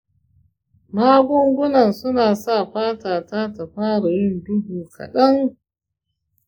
magungunan suna sa fatata ta fara yin duhu kaɗan.